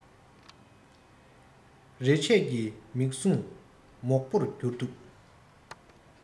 རེ ཆད ཀྱི མིག ཟུང མོག པོར གྱུར འདུག